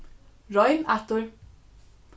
royn aftur